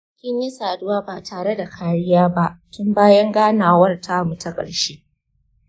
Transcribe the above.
kin yi saduwa ba tare da kariya ba tun bayan ganawar tamu ta ƙarshe?